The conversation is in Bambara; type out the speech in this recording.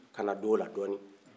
kana don o la dɔni